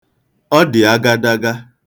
Ọ dị agadaga.